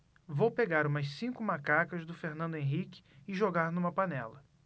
vou pegar umas cinco macacas do fernando henrique e jogar numa panela